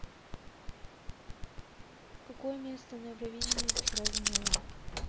какое место на евровидении вчера заняла